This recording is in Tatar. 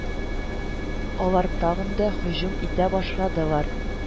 Алар тагын да һөҗүм итә башладылар